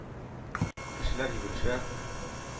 Кешеләр йөгерешә.